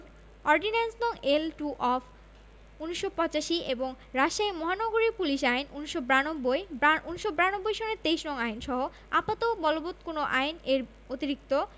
Ordinance. নং. L two of ১৯৮৫ এবং রাজশাহী মহানগরী পুলিশ আইন ১৯৯২ ১৯৯২ সনের ২৩ নং আইন সহ আপাতত বলবৎ অন্য কোন আইন এর অরিক্তি